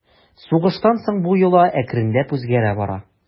Сугыштан соң бу йола әкренләп үзгәрә бара.